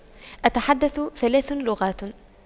أتحدث ثلاث لغات